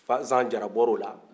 fazan jara bɔra o la